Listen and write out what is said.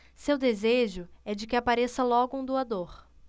seu desejo é de que apareça logo um doador